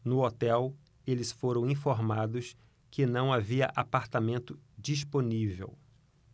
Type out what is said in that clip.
no hotel eles foram informados que não havia apartamento disponível